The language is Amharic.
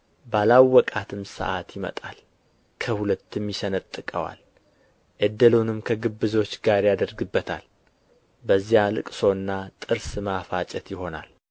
ባላወቃትም ሰዓት ይመጣል ከሁለትም ይሰነጥቀዋል እድሉንም ከግብዞች ጋር ያደርግበታል በዚያ ልቅሶና ጥርስ ማፋጨት ይሆናል